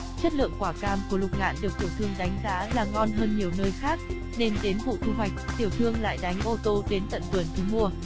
chất lượng quả cam của lục ngạn được tiểu thương đánh giá là ngon hơn nhiều nơi khác nên đến vụ thu hoạch tiểu thương lại đánh ô tô đến tận vườn thu mua